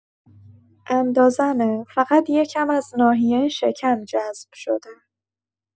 اندازه‌مه، فقط یه کم از ناحیه شکم جذب شده.